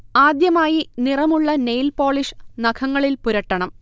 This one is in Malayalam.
ആദ്യമായി നിറമുള്ള നെയിൽ പോളിഷ് നഖങ്ങളിൽ പുരട്ടണം